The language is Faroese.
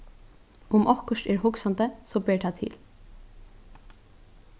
um okkurt er hugsandi so ber tað til